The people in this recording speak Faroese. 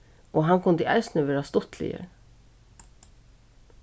og hann kundi eisini vera stuttligur